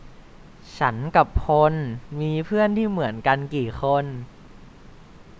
ฉันกับพลมีเพื่อนที่เหมือนกันกี่คน